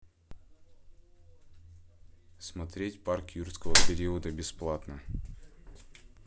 смотреть парк юрского периода бесплатно